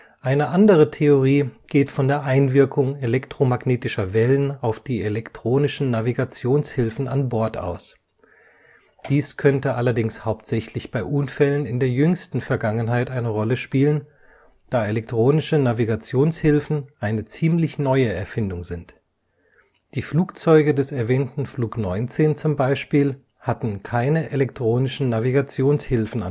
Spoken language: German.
Eine andere Theorie geht von der Einwirkung elektromagnetischer Wellen auf die elektronischen Navigationshilfen an Bord aus. Dies könnte allerdings hauptsächlich bei Unfällen in der jüngsten Vergangenheit eine Rolle spielen, da elektronische Navigationshilfen eine ziemlich neue Erfindung sind. Die Flugzeuge des erwähnten Flug 19 zum Beispiel hatten keine elektronischen Navigationshilfen